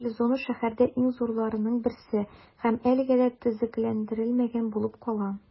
Әлеге яшел зона шәһәрдә иң зурларының берсе һәм әлегә дә төзекләндерелмәгән булып кала.